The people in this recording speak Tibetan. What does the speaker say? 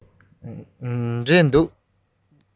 འབྲས འདུག